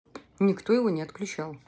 никто его не отключал